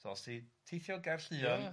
So os ti'n teithio o Gerllion